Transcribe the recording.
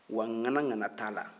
wa nganagana t'a la